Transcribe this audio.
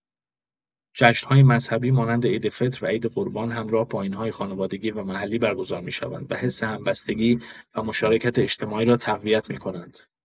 جشن‌های مذهبی مانند عیدفطر و عید قربان همراه با آیین‌های خانوادگی و محلی برگزار می‌شوند و حس همبستگی و مشارکت اجتماعی را تقویت می‌کنند.